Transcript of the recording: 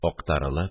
Актарылып